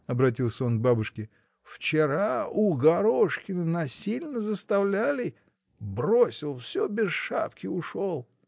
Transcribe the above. — обратился он к бабушке, — вчера у Горошкина насильно заставляли: бросил всё, без шапки ушел!